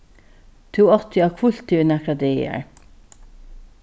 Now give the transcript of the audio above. tú átti at hvílt teg í nakrar dagar